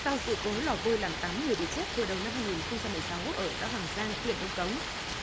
sau sự cố lò vôi làm tám người bị chết hồi đầu năm hai nghìn không trăm mười sáu ở xã hoàng giang huyện đông cống